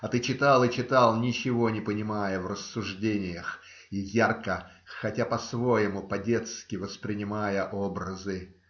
И ты читал и читал, ничего не понимая в рассуждениях и ярко, хотя по-своему, по-детски, воспринимая образы.